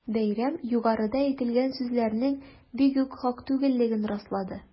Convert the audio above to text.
Бәйрәм югарыда әйтелгән сүзләрнең бигүк хак түгеллеген раслады.